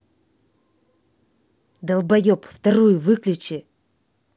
долбоеб вторую выключи